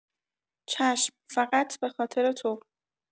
چشم فقط بخاطر ت